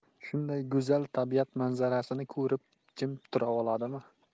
shunday go'zal tabiat manzarasini ko'rib jim tura oladimi